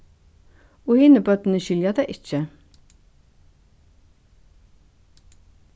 og hini børnini skilja tað ikki